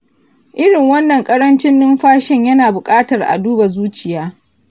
irin wannan ƙarancin numfashin yana bukatar a duba zuciya.